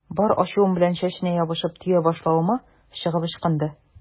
Бар ачуым белән чәченә ябышып, төя башлавыма чыгып ычкынды.